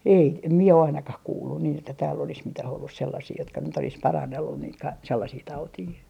ei - en minä - ainakaan kuullut niin että täällä olisi mitään ollut sellaisia jotka nyt olisi parannellut niitä - sellaisia tauteja